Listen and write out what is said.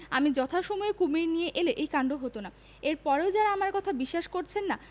আমি যথাসময়ে কুমীর নিয়ে এলে এই কান্ড হত না এর পরেও যারা আমার কথা বিশ্বাস করছেন না